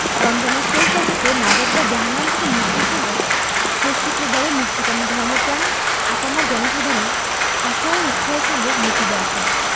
রমজানের শেষ দশকে নাজাত বা জাহান্নাম থেকে মুক্তির সময়ে শেষ শুক্রবারে মুক্তিকামী ধর্মপ্রাণ আপামর জনসাধারণ আশা ও উৎসাহের সঙ্গে মসজিদে আসেন